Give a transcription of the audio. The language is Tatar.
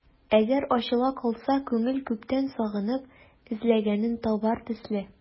Әгәр ачыла калса, күңел күптән сагынып эзләгәнен табар төсле...